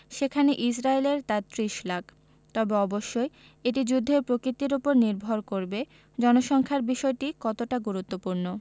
সেখানে ইসরায়েলের তা ৩০ লাখ তবে অবশ্যই এটি যুদ্ধের প্রকৃতির ওপর নির্ভর করবে জনসংখ্যার বিষয়টি কতটা গুরুত্বপূর্ণ